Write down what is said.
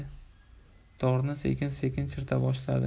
torni sekin sekin cherta boshladi